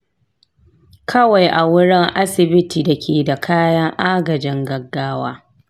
kawai a wurin asibiti da ke da kayan agajin gaggawa.